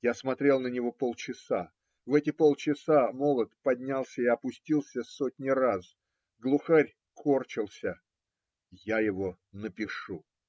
Я смотрел на него полчаса; в эти полчаса молот поднялся и опустился сотни раз. Глухарь корчился. Я его напишу.